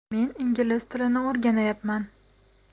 men ingliz tilini o'rganayapman